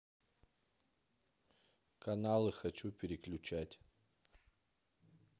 каналы хочу переключать